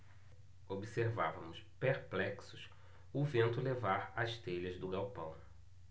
observávamos perplexos o vento levar as telhas do galpão